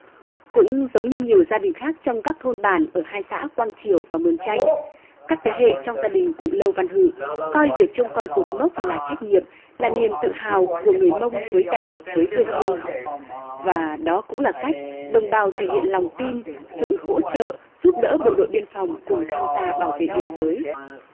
cũng giống như nhiều gia đình khác trong các thôn bản ở hai xã quang chiểu mường chanh các thế hệ trong gia đình cụ lâu văn hự coi việc trông coi cột mốc là trách nhiệm là niềm tự hào của người mông với đảng với quê hương và đó cũng là cách đồng bào thể hiện lòng tin sự hỗ trợ giúp đỡ bộ đội biên phòng cùng tham gia bảo vệ biên giới